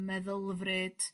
meddylfryd